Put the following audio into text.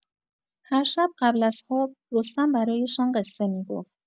هر شب قبل از خواب، رستم برایشان قصه می‌گفت.